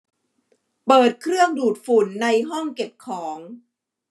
เปิดเครื่องดูดฝุ่นในห้องเก็บของ